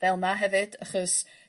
fel 'ma hefyd achos